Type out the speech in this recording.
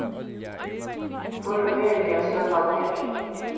hvør er veruliga søgan her